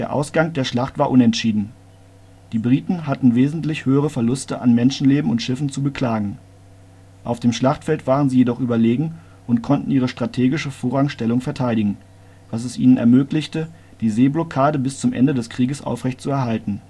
Ausgang der Schlacht war unentschieden: Die Briten hatten wesentlich höhere Verluste an Menschenleben und Schiffen zu beklagen. Auf dem Schlachtfeld waren sie jedoch überlegen und konnten ihre strategische Vorrangstellung verteidigen, was es ihnen ermöglichte, die Seeblockade bis zum Ende des Krieges aufrecht zu erhalten